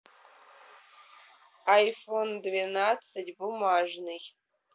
айфон двенадцать бумажный